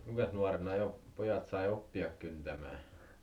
kuinkas nuorena jo pojat sai oppia kyntämään